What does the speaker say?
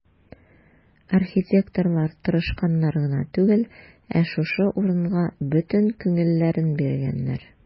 Архитекторлар тырышканнар гына түгел, ә шушы урынга бөтен күңелләрен биргәннәр.